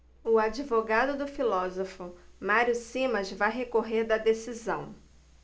o advogado do filósofo mário simas vai recorrer da decisão